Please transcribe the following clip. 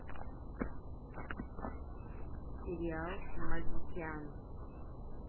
сериал магикян